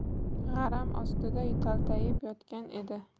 g'aram ostida taltayib yotgan edi